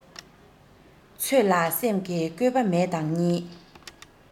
ཚོད ལ སེམས ཀྱི བཀོད པ མེད དང གཉིས